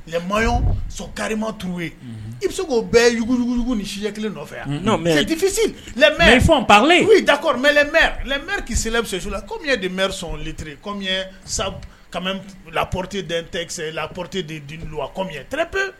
Lɛmay son karima tuu ye i bɛ se k'o bɛɛ yugujuugu ni siɲɛ kelen nɔfɛ yan mɛfisi mɛ fɔlen' dakri' selilɛ bɛ sesu la kɔmi de mri slitirire kɔmi la ppote den tɛkisɛyi la pote delu kɔmi tɛnɛnp